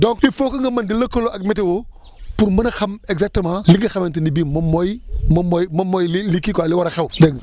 donc il faut que nga mën di lëkkaloo ak météo pour mën a xam exactement li nga xamante ni bii moom mooy moom mooy mooy li li kii quoi li war a xaw dégg nga